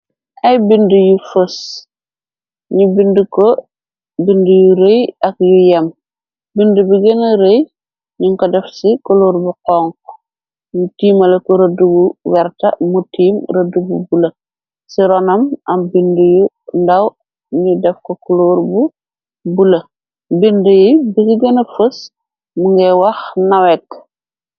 Ay bindi yu fës ñu bindiko bindi yu rëy ak yu yem bindi bi gëna rëy ñu ko def ci koloor bu xong mu tiimala ko rëdd bu werta mu tiim rëdd bu bula ci ronam am bindi yu ndaw ni def ko kuloor bu bula bindi yi bigi gëna fës mu ngay wax nawekk.